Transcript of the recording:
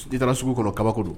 N taara sugu kɔnɔ kababako don